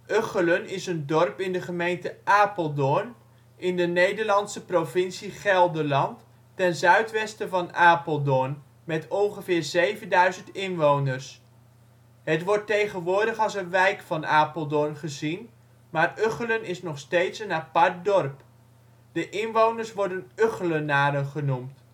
Ugchelen is een dorp in de gemeente Apeldoorn in de Nederlandse provincie Gelderland, ten zuidwesten van Apeldoorn, met ongeveer 7.000 inwoners. Het wordt tegenwoordig als een wijk van Apeldoorn gezien, maar Ugchelen is nog steeds een apart dorp. De inwoners worden " Ugchelenaren " genoemd